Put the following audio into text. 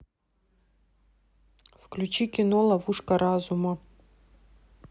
включи кино ловушка разума